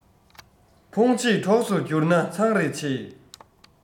ཕུང བྱེད གྲོགས སུ བསྒྱུར ན མཚང རེ ཆེ